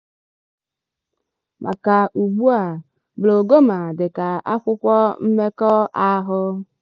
Maka ugbu a, Blogoma dị ka akwụkwọ mmekọ àhụ́.